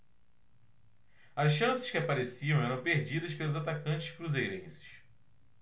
as chances que apareciam eram perdidas pelos atacantes cruzeirenses